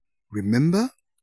Remember?